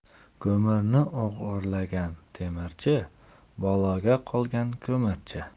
ko'mirni o'g'irlagan temirchi baloga qolgan ko'mirchi